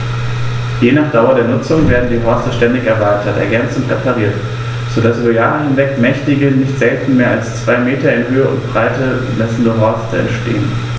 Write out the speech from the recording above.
Je nach Dauer der Nutzung werden die Horste ständig erweitert, ergänzt und repariert, so dass über Jahre hinweg mächtige, nicht selten mehr als zwei Meter in Höhe und Breite messende Horste entstehen.